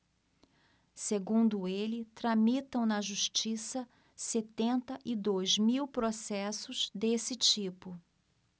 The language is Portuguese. segundo ele tramitam na justiça setenta e dois mil processos desse tipo